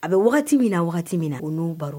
A bɛ wagati min na min na u n'u baro